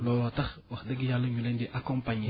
looloo tax wax dëgg Yàlla ñu leen di accompagner